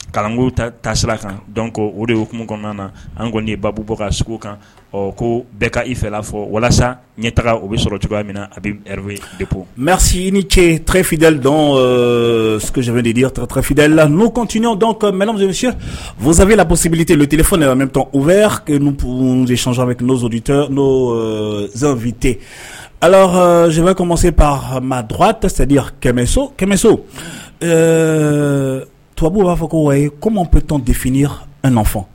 Kalango taa sira kan dɔn ko o de ye oumu kɔnɔna na an kɔni babu bɔ ka segu kan ɔ ko bɛɛ ka i fɛ la fɔ walasa ɲɛ taga o bɛ sɔrɔ cogoya min na a bɛ ye e mɛsi ni cefidli dɔn svlidifidlila n'u tun tunɲɔgɔnc mɔnla bɔsibiteltli fɔmɛ u bɛ ncsɔnɔnmedi tɛ n vte alahzofɛ kɔma se panha dɔgɔ tɛsɛya kɛmɛso kɛmɛso eee tubabuw b'a fɔ ko wa koman ppton de fini an na fɔ